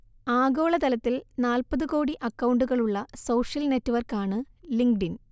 ആഗോളതലത്തിൽ നാൽപത് കോടി അക്കൗണ്ടുകളുള്ള സോഷ്യൽ നെറ്റ്വർക്കാണ് ലിങ്കഡ്ഇൻ